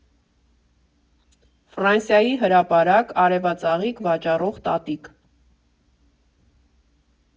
Ֆրանսիայի հրապարակ, արևածաղիկ վաճառող տատիկ.